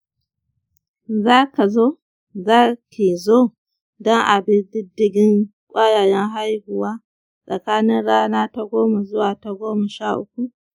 za ka/ki zo don bin diddigin ƙwayayen haihuwa tsakanin rana ta goma zuwa ta goma sha uku.